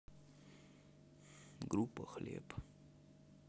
группа хлеб